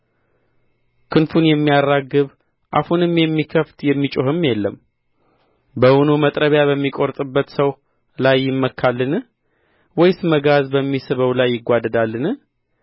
ክንፉን የሚያራግብ አፉንም የሚከፍት የሚጮኽም የለም በውኑ መጥረቢያ በሚቈርጥበት ሰው ላይ ይመካልን ወይስ መጋዝ በሚስበው ላይ ይጓደዳልን